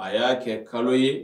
A y'a kɛ kalo ye